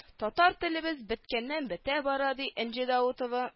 Татар телебез беткәннән-бетә бара ди энҗе даутова